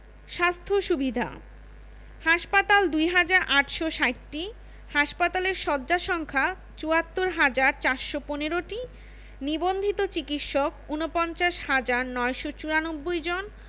স্বাস্থ্য সুবিধাঃ হাসপাতাল ২হাজার ৮৬০টি হাসপাতালের শয্যা সংখ্যা ৭৪হাজার ৪১৫টি নিবন্ধিত চিকিৎসক ৪৯হাজার ৯৯৪ জন